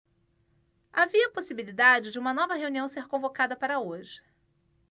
havia possibilidade de uma nova reunião ser convocada para hoje